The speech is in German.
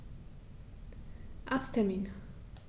Arzttermin